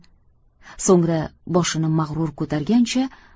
so'ngra boshini mag'rur ko'targancha dadil